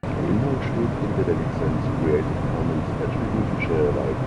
Inhalt steht unter der Lizenz Creative Commons Attribution Share